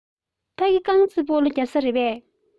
ཕ གི རྐང རྩེད སྤོ ལོ རྒྱག ས རེད པས